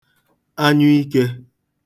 anyụikē